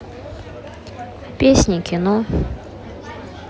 песни кино